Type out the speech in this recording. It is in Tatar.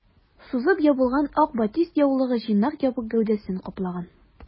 Сузып ябылган ак батист яулыгы җыйнак ябык гәүдәсен каплаган.